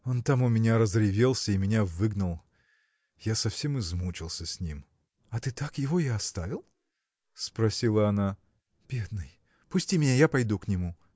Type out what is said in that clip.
– Он там у меня разревелся и меня выгнал; я совсем измучился с ним. – А ты так его и оставил? – спросила она, – бедный! Пусти меня, я пойду к нему.